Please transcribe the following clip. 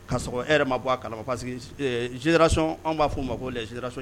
Ka sɔrɔ e yɛrɛ ma bɔ a kalama pa que sidason an b'a fɔ u ma ko sidason